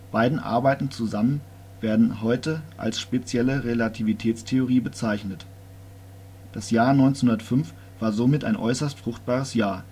Beiden Arbeiten zusammen werden heute als Spezielle Relativitätstheorie bezeichnet. Das Jahr 1905 war somit ein äußerst fruchtbares Jahr